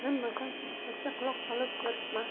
men bo'lsam chakkaga quloq solib yotibman